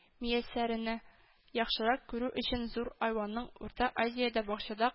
Мияссәрәне яхшырак күрү өчен зур айванның—Урта Азиядә бакчада